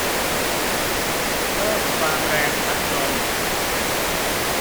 เพิ่มความแรงพัดลม